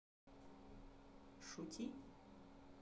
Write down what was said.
шути